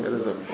ci réseau bi